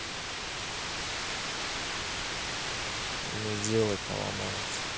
не делай поломается